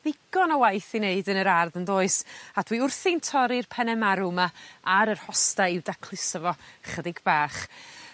ddigon o waith i neud yn yr ardd yndoes> A dwi wrthi'n torri'r pene marw 'ma ar yr hosta i'w dacluso fo chydig bach.